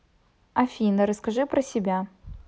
афина расскажи про себя